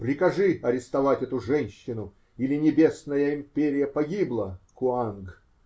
Прикажи арестовать эту женщину, или небесная империя погибла. Куанг!